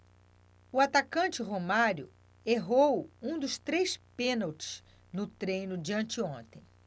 o atacante romário errou um dos três pênaltis no treino de anteontem